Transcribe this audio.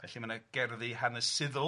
felly mae yna gerddi hanesyddol.